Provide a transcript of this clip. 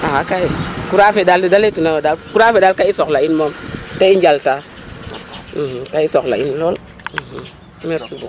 Axa kayo courant fe daal ne da laytuna yo daal courant fe daal ga i soxla'in moom ga i njaltan ga i soxla in lool merci.